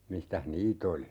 mistäs niitä oli